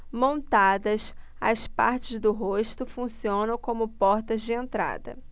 montadas as partes do rosto funcionam como portas de entrada